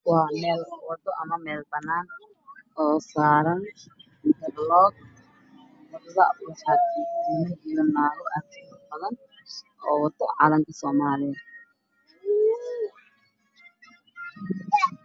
Waa meel wado ama meel banaan oo saaran lock wadada waxa tuuran niman iyo naago aad u badan oo wato calanka somalia